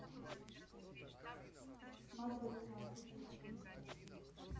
смотреть французский фильм